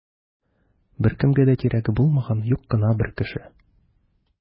Беркемгә дә кирәге булмаган юк кына бер кеше.